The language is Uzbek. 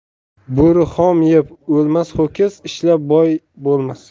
bo'ri xom yeb o'lmas ho'kiz ishlab boy bo'lmas